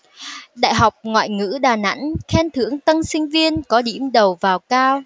đại học ngoại ngữ đà nẵng khen thưởng tân sinh viên có điểm đầu vào cao